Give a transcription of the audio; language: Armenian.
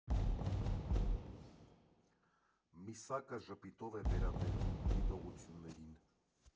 Միսակը ժպիտով է վերաբերվում դիտողություններին.